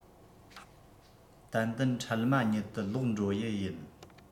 ཏན ཏན འཕྲལ མ ཉིད དུ ལོག འགྲོ ཡི ཡིན